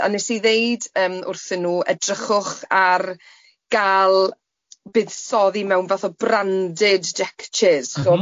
a wnes i ddeud yym wrthyn nhw edrychwch ar ga'l buddsoddi mewn fath o branded deckchairs... M-hm.